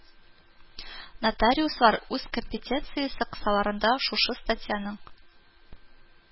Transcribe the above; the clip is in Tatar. Нотариуслар үз компетенциясе кысаларында шушы статьяның